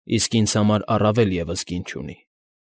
Իսկ ինձ համար առավել ևս գին չունի։